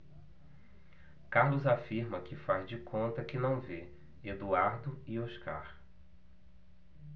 carlos afirma que faz de conta que não vê eduardo e oscar